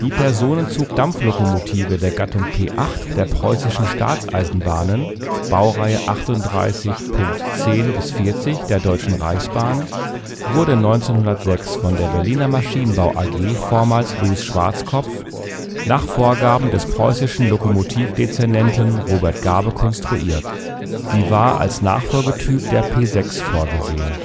Personenzug-Dampflokomotive der Gattung P 8 der Preußischen Staatseisenbahnen (Baureihe 38.10 – 40 der Deutschen Reichsbahn) wurde 1906 von der Berliner Maschinenbau AG (vormals Louis Schwartzkopff) nach Vorgaben des preußischen Lokomotiv-Dezernenten Robert Garbe konstruiert. Sie war als Nachfolgetyp der P 6 vorgesehen